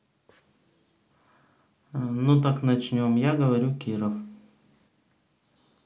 ну так начнем я говорю киров